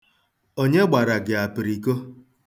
Onye gbara gị apiriko?